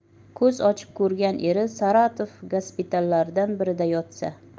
ko'z ochib ko'rgan eri saratov gospitallaridan birida yotsa